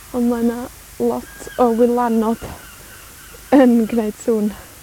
on' ma' 'na lot o wylanod yn gwneud sŵn.